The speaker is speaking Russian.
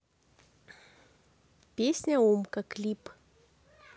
песня умка клип